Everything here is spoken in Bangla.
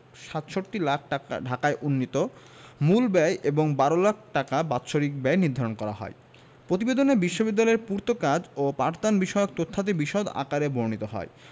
৬৭ লাখ ঢাকায় উন্নীত মূল ব্যয় এবং ১২ লাখ টাকা বাৎসরিক ব্যয় নির্ধারণ করা হয় প্রতিবেদনে বিশ্ববিদ্যালয়ের পূর্তকাজ ও পাঠদানবিষয়ক তথ্যাদি বিশদ আকারে বর্ণিত হয়